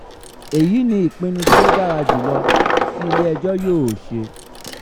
"Èyí ni ìpinnu tí ó dára jù lọ tí ilé-ẹjọ́ yóò ṣe"